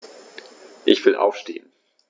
Ich will aufstehen.